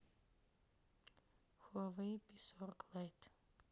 хуавэй пи сорок лайт